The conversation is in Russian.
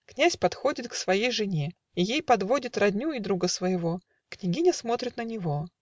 - Князь подходит К своей жене и ей подводит Родню и друга своего. Княгиня смотрит на него.